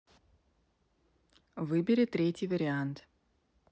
выбери третий вариант